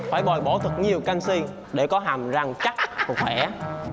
phải bồi bổ thật nhiều can xi để có hàm răng chắc và khỏe